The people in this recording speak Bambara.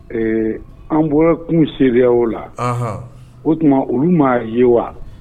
Ee an bɔra kun se o la o tuma olu ma ye wa